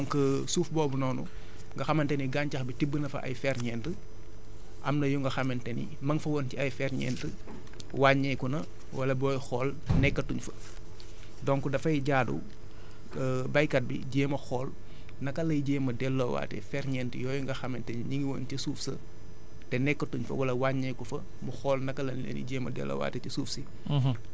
donc qsuuf boobu noonu nga xamante ni gàncax bi tibb na fa ay ferñeent am na yu nga xamante ni ma nga fa woon ci ay ferñeent wàññeeku na wala booy xool nekkatuñ fa donc dafay jaadu béykat bi jéem a xool naka lay jéem a delloowaatee ferñeent yooyu nga xamante ni ñu ngi woon ci suuf sa te nekkatuñ fa wala wàññeeku fa mu xool naka lañ leen di jéem a delloowaatee ci suuf si